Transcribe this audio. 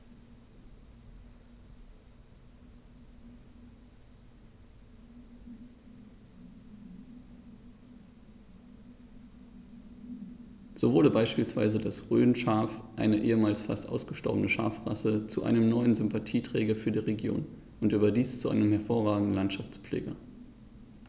So wurde beispielsweise das Rhönschaf, eine ehemals fast ausgestorbene Schafrasse, zu einem neuen Sympathieträger für die Region – und überdies zu einem hervorragenden Landschaftspfleger.